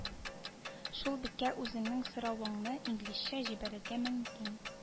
Шул биткә үзеңнең соравыңны инглизчә җибәрергә мөмкин